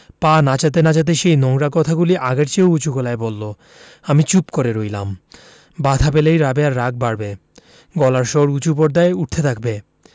পা নাচাতে নাচাতে সেই নোংরা কথাগুলি আগের চেয়েও উচু গলায় বললো আমি চুপ করে রইলাম বাধা পেলেই রাবেয়ার রাগ বাড়বে গলার স্বর উচু পর্দায় উঠতে থাকবে